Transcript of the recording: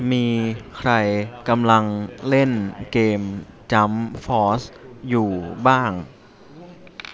มีใครกำลังเล่นเกมจั้มฟอสอยู่บ้าง